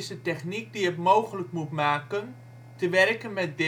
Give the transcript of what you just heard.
het mogelijk moet maken te werken met deeltjes